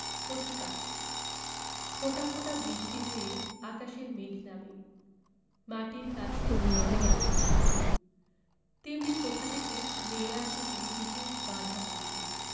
কথিকা ফোঁটা ফোঁটা বৃষ্টি হয়ে আকাশের মেঘ নামে মাটির কাছে ধরা দেবে বলে তেমনি কোথা থেকে মেয়েরা আসে পৃথিবীতে বাঁধা পড়তে